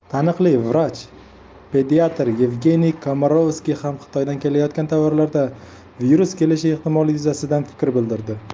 taniqli vrach pediatr yevgeniy komarovskiy ham xitoydan kelayotgan tovarlarda virus kelishi ehtimoli yuzasidan fikr bildirdi